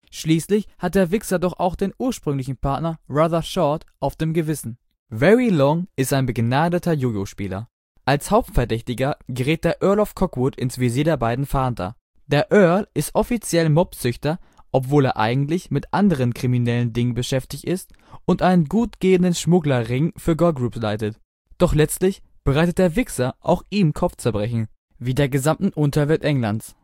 schließlich hat Der Wixxer doch auch den ursprünglichen Partner Rather Short auf dem Gewissen. Very Long ist ein begnadeter Jo-Jo-Spieler. Als Hauptverdächtiger gerät der Earl of Cockwood ins Visier der beiden Fahnder. Der Earl ist offiziell Mopszüchter, obwohl er eigentlich mit anderen (kriminellen) Dingen beschäftigt ist und einen gutgehenden Schmugglerring für Girlgroups leitet. Doch letztlich bereitet Der Wixxer auch ihm Kopfzerbrechen – wie der gesamten Unterwelt Englands